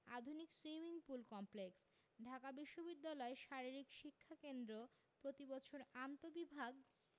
আধুনিক swimming pool complex Dhaka বিশ্ববিদ্যালয় শারীরিক শিক্ষা কেন্দ্র প্রতিবছর আন্তঃবিভাগ